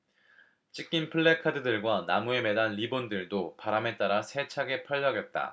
찢긴 플래카드들과 나무에 매단 리본들도 바람 따라 세차게 펄럭였다